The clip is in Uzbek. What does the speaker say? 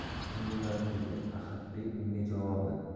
kim bo'lardi dedi ahadbey unga javoban